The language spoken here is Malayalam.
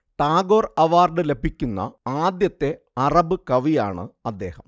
ടാഗോർ അവാർഡ് ലഭിക്കുന്ന ആദ്യത്തെ അറബ് കവിയാണ് അദ്ദേഹം